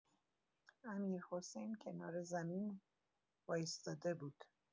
امیرحسین کنار زمین وایساده بود.